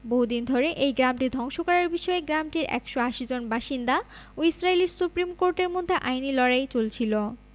বহুদিন ধরে এই গ্রামটি ধ্বংস করার বিষয়ে গ্রামটির ১৮০ জন বাসিন্দা ও ইসরাইলি সুপ্রিম কোর্টের মধ্যে আইনি লড়াই চলছিল